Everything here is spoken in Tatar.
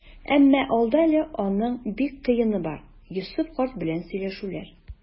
Әмма алда әле аның бик кыены бар - Йосыф карт белән сөйләшүләр.